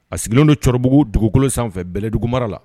A sigilen don cɛkɔrɔbabugu dugukolo sanfɛ bɛɛlɛdugu mara la